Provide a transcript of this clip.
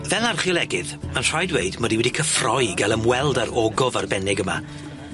Fel archeolegydd, ma'n rhaid dweud mod i wedi cyffroi i ga'l ymweld â'r ogof arbennig yma.